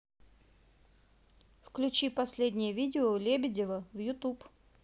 включи последнее видео лебедева в ютуб